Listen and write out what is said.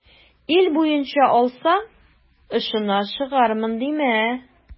Ил буенча алсаң, очына чыгармын димә.